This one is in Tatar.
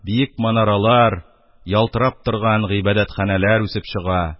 Биек манаралар, ялтырап торган гыйбадәтханәләр үсеп чыга.